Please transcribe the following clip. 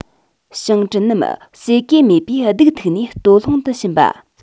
ཞིང བྲན རྣམས ཟས གོས མེད པས སྡུག ཐུག ནས ལྟོ སློང དུ ཕྱིན པ